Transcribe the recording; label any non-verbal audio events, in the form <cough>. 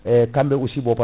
<hesitation> kamɓe aussi ɓo